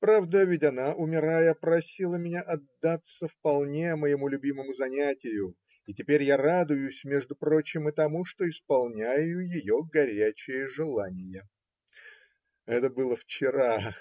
Правда, ведь она, умирая, просила меня отдаться вполне моему любимому занятию, и теперь я радуюсь, между прочим, и тому, что исполняю ее горячее желание. Это было вчера.